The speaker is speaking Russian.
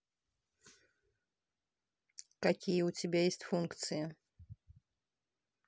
какие у тебя есть функции